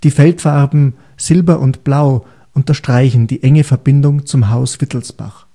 Feldfarben Silber und Blau unterstreichen die enge Verbindung zum Haus Wittelsbach